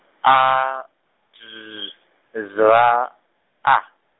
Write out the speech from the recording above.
A D Z A.